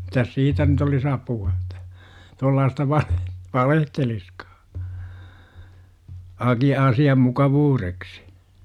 mitäs siitä nyt olisi apua että tuollaista - valehtelisikaan - asian mukavuudeksi